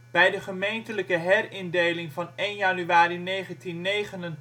Bij de gemeentelijke herindeling van 1 januari 1989